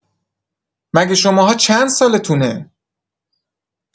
مگه شماها چند سالتونه؟